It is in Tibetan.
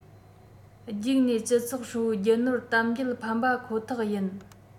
རྒྱུགས ནས སྤྱི ཚོགས ཧྲིལ པོའི རྒྱུ ནོར གཏམ རྒྱུད ཕམ པ ཁོ ཐག ཡིན